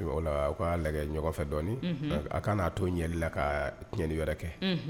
Ola, o b'a lajɛ ɲɔgɔn fɛ dɔɔni. Unhun! A ka n'a to ɲɛlila ka cɛnli wɛrɛ kɛ. Unhun!